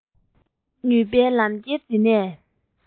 ཉུལ པའི ལམ ཁྱེར འདི ནས